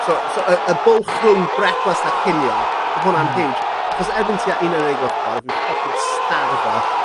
so so y y bwlch rhwng brecwast a cinio ma hwnna'n... Hmm. ...hiwge. Achos erbyn tua un ar ddeg o gloch y bore fi'n ffycin starfo.